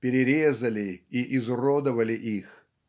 перерезали и изуродовали их"